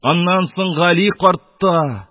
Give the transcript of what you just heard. Аннан соң гали картта